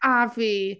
A fi.